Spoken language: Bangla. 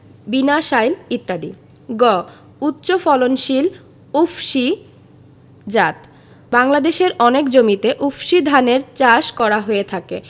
বিনাশাইল ইত্যাদি গ উচ্চফলনশীল উফশী জাতঃ বাংলাদেশের অনেক জমিতে উফশী ধানের চাষ করা হয়ে থাকে